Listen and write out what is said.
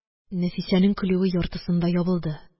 Нәфисәнең көлүе яртысында ябылды.